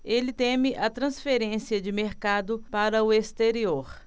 ele teme a transferência de mercado para o exterior